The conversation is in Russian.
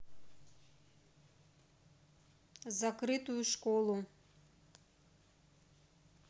закрытую школу